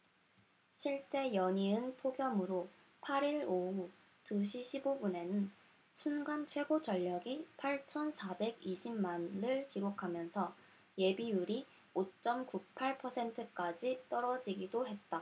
실제 연이은 폭염으로 팔 일 오후 두 시 십 오 분에는 순간 최고전력이 팔천 사백 이십 만 를 기록하면서 예비율이 오 쩜 구 팔 퍼센트까지 떨어지기도 했다